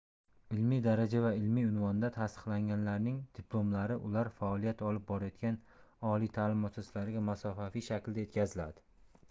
ilmiy daraja va ilmiy unvonda tasdiqlanganlarning diplomlari ular faoliyat olib borayotgan oliy ta'lim muassasalariga masofaviy shaklda yetkaziladi